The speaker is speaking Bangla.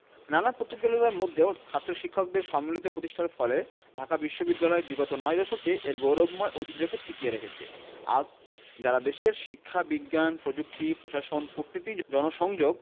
নানা প্রতিকূলতার মধ্যেও ছাত্র শিক্ষকদের সম্মিলিত প্রচেষ্টার ফলে ঢাকা বিশ্ববিদ্যালয় বিগত নয় দশকে এর গৌরবময় ঐতিহ্যকে টিকিয়ে রেখেছে আজ যাঁরা দেশের শিক্ষা বিজ্ঞান প্রযুক্তি প্রশাসন কূটনীতি জনসংযোগ